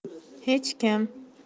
hech kim